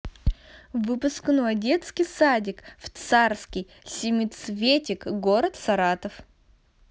выпускной детский садик в царский семицветик город саратов